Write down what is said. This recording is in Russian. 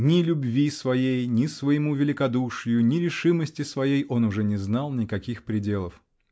Ни любви своей, ни своему великодушию, ни решимости своей он уже не знал никаких пределов.